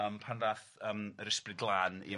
yym pan ddaeth yym yr Ysbryd Glân